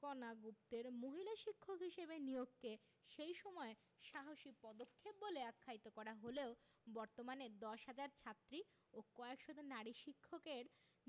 কণা গুপ্তের মহিলা শিক্ষক হিসেবে নিয়োগকে সেই সময়ে সাহসী পদক্ষেপ বলে আখ্যায়িত করা হলেও বর্তমানে ১০ হাজার ছাত্রী ও কয়েক শত নারী শিক্ষকের